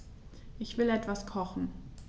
Ich will etwas kochen.